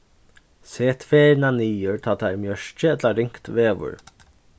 set ferðina niður tá tað er mjørki ella ringt veður